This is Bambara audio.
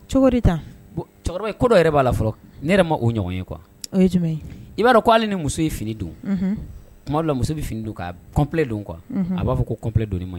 Cɛkɔrɔba ko dɔ yɛrɛ b'a la fɔlɔ ne yɛrɛ ma o ɲɔgɔn ye kuwa i b'a dɔn ko'ale ni muso ye fini don tuma la muso bɛ fini don k kafi don kuwa a b'a fɔ koɔnpledon ma